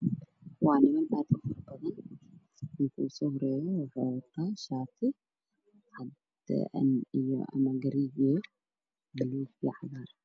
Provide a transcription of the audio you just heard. Waa niman aad u fara badan ninka ugu soo horeeyo wuxu wataa shaati caddaan buluug iyo cagaar